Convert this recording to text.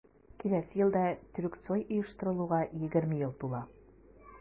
Киләсе елда Тюрксой оештырылуга 20 ел тула.